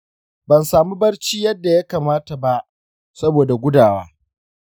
ban samu barci yadda ya kamata ba saboda gudawa.